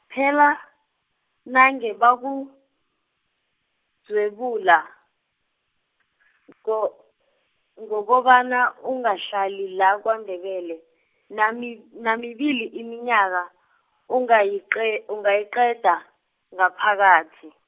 phela, nange bakudzwebula, ngo ngokobana ungahlali la kwaNdebele, nami, namibili iminyaka, ungayiqe- ungayiqeda, ngaphakathi.